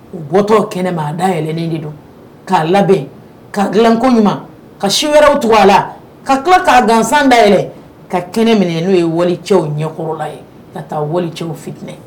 U bɔtɔ kɛnɛmaa daɛlɛnnen de don k'a labɛn ka dilako ɲuman ka si wɛrɛw to a la ka tila k'a gansanda yɛrɛ ka kɛnɛ minɛ n'o ye wali cɛw ɲɛkɔrɔla ye ka taa wali cɛw fitinɛ